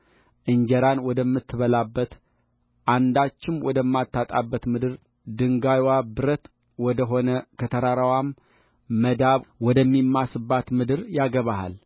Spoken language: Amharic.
እንጀራን ወደምትበላባት አንዳችም ወደማታጣባት ምድር ድንጋይዋ ብረት ወደ ሆነ ከተራራዋም መዳብ ወደሚማስባት ምድር ያገባሃል